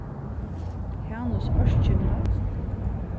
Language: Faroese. hanus ørkymlast